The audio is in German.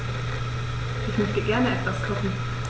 Ich möchte gerne etwas kochen.